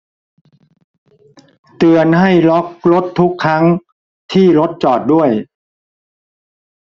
เตือนให้ล็อครถทุกครั้งที่รถจอดด้วย